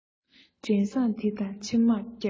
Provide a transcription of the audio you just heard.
བྲན བཟང འདི དང ཕྱི མར བསྐྱབས